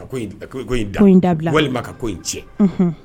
A in da walima ka ko in tiɲɛ